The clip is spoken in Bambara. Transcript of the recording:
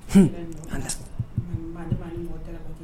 H an